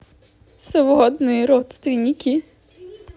сводные родственники